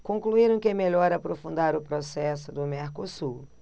concluíram que é melhor aprofundar o processo do mercosul